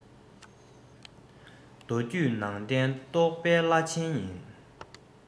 མདོ རྒྱུད ནང བསྟན རྟོགས པའི བླ ཆེན ཡིན